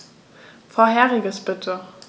Vorheriges bitte.